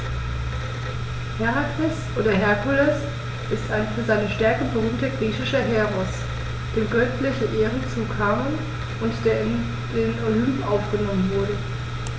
Herakles oder Herkules ist ein für seine Stärke berühmter griechischer Heros, dem göttliche Ehren zukamen und der in den Olymp aufgenommen wurde.